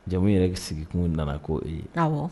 Jamu yɛrɛ sigikun nana ko ee ye